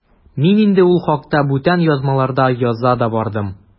Мин инде ул хакта бүтән язмаларда яза да бардым.